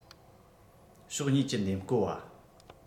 ཕྱོགས གཉིས གྱི འདེམས སྐོ བ